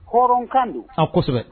Hɔrɔnkan don a kɔsɛbɛ